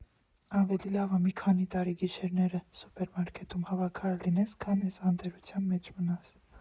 Ավելի լավ ա՝ մի քանի տարի գիշերները սուպերմարկետում հավաքարար լինես, քան էս անտերության մեջ մնաս։